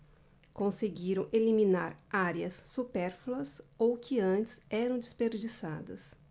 conseguiram eliminar áreas supérfluas ou que antes eram desperdiçadas